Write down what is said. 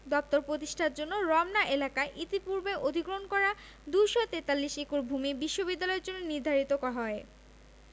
দপ্তর প্রতিষ্ঠার জন্য রমনা এলাকায় ইতিপূর্বে অধিগ্রহণ করা ২৪৩ একর ভূমি বিশ্ববিদ্যালয়ের জন্য নির্ধারিত হয়